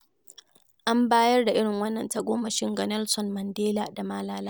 An bayar da irin wannan tagomashi ga Nelson Mandela da Malala.